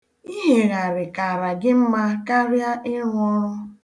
Ihegharị kaara gị mma karịa ịrụ ọrụ.